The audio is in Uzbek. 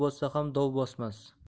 bossa ham dov bosmas